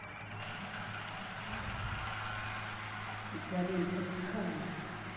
гарем топкапы